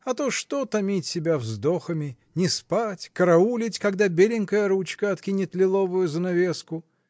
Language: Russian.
А то что томить себя вздохами, не спать, караулить, когда беленькая ручка откинет лиловую занавеску.